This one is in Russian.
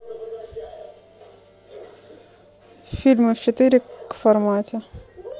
фильмы в четыре к формате